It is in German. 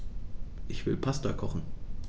Ich will Pasta kochen.